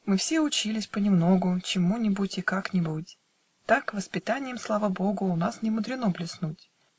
Мы все учились понемногу Чему-нибудь и как-нибудь, Так воспитаньем, слава богу, У нас немудрено блеснуть.